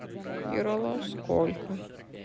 ералаш сколько